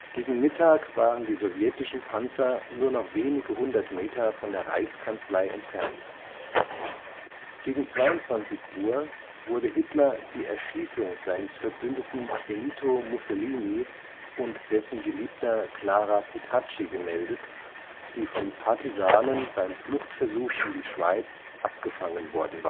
Gegen Mittag waren die sowjetischen Panzer nur noch wenige hundert Meter von der Reichskanzlei entfernt. Gegen 22:00 Uhr wurde Hitler die Erschießung seines Verbündeten Benito Mussolini (und dessen Geliebter Clara Petacci) gemeldet, die von Partisanen beim Fluchtversuch in die Schweiz abgefangen worden